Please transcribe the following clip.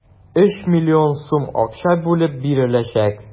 3 млн сум акча бүлеп биреләчәк.